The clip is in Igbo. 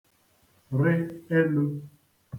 rị elū